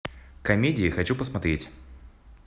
комедии хочу посмотреть